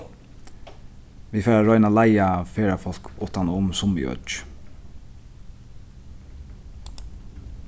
vit fara at royna at leiða ferðafólk uttanum summi øki